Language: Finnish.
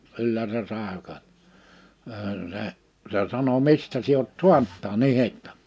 kyllä se sai - se se sanoi mistä sinä olet saanut tämän ihottuman